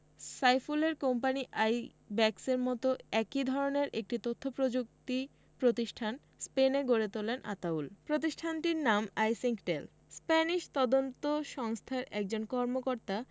সাইফুলের কোম্পানি আইব্যাকসের মতো একই ধরনের একটি তথ্যপ্রযুক্তি প্রতিষ্ঠান স্পেনে গড়ে তোলেন আতাউল প্রতিষ্ঠানটির নাম আইসিংকটেল স্প্যানিশ তদন্ত সংস্থার একজন কর্মকর্তা